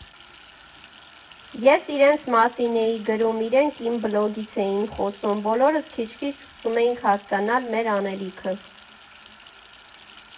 Ես իրենց մասին էի գրում, իրենք իմ բլոգից էին խոսում, բոլորս քիչ֊քիչ սկսում էինք հասկանալ մեր անելիքը։